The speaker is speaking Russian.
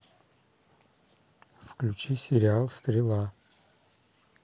включи сериал стрела